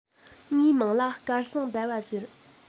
ངའི མིང ལ སྐལ བཟང ཟླ བ ཟེར